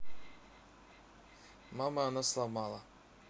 мама она сломала